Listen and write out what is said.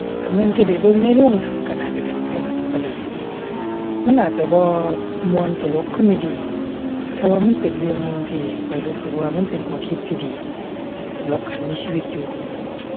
คันแม่นสิไปเบิ่งในโรงหนังก็น่าจะเป็นเรื่อง สัปเหร่อ มันอาจจะบ่ม่วน ตลก คอมเมดี แต่ว่ามันเป็นเรื่องหนึ่งที่ข้อยรู้สึกว่ามันเป็นข้อคิดที่ดี สำหรับการมีชีวิตอยู่